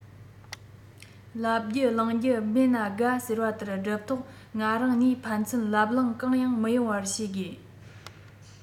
ལབ རྒྱུ གླེང རྒྱུ མེད ན དགའ ཟེར བ ལྟར སྒབས ཐོག ང རང གཉིས ཕན ཚུན ལབ གླེང གང ཡང མི ཡོང བར བྱེད དགོས